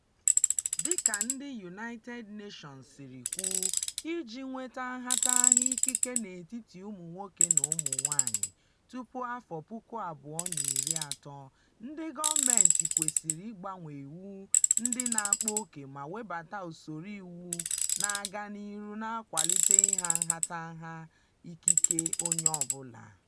Dị ka ndị United Nations siri kwu, iji nweta nhatanha ikike n’etiti ụmụ nwoke na ụmụ nwaanyị tupu 2030, ndị gọọmentị kwesịrị ịgbanwe iwu ndị na-akpa oke ma webata usoro iwu na-aga n’ihu na-akwalite ịha nhatanha ikike onye ọbụla.